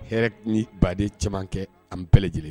Hɛrɛ ni baden caman kɛ an bɛɛ lajɛlen